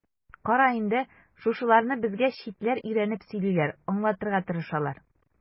Кара инде, шушыларны безгә читләр өйрәнеп сөйлиләр, аңлатырга тырышалар.